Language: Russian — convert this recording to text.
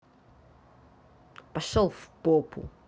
пошел в попу